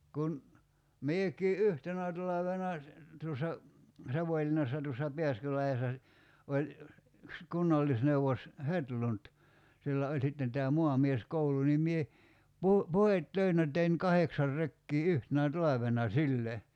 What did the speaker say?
kun minäkin yhtenä talvena tuossa Savonlinnassa tuossa Pääskylahdessa - oli yksi kunnallisneuvos Hedlund sillä oli sitten tämä maamieskoulu niin minä - puhdetöinä tein kahdeksan rekeä yhtenä talvena sille